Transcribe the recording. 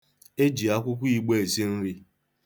E ji akwụkwọ igbo esi nri.